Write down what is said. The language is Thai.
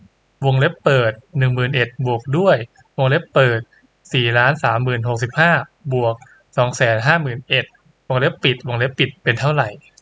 วงเล็บเปิดหนึ่งหมื่นเอ็ดบวกด้วยวงเล็บเปิดสี่ล้านสามหมื่นหกสิบห้าบวกสองแสนห้าหมื่นเอ็ดวงเล็บปิดวงเล็บปิดเป็นเท่าไหร่